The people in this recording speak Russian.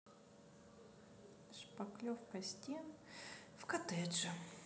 шпаклевка стен в коттедже